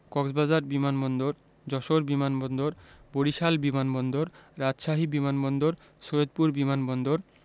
কক্সবাজার বিমান বন্দর যশোর বিমান বন্দর বরিশাল বিমান বন্দর রাজশাহী বিমান বন্দর সৈয়দপুর বিমান বন্দর